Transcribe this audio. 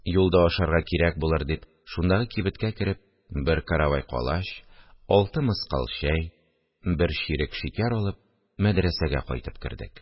Юлда ашарга кирәк булыр дип, шундагы кибеткә кереп, бер каравай калач, алты мыскал чәй, бер чирек шикәр алып, мәдрәсәгә кайтып кердек